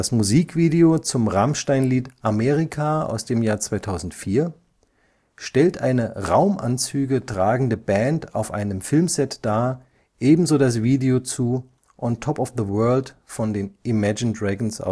Musikvideo zum Rammstein-Lied Amerika (2004) stellt eine Raumanzüge tragende Band auf einem Filmset dar, ebenso das Video zu On Top of the World von Imagine Dragons